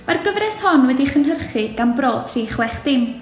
Mae'r gyfres hon wedi'i chynhyrchu gan Bro tri chwech dim.